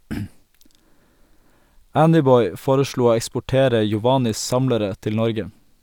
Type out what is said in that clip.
Andyboy foreslo å eksportere Yovanys samlere til Norge.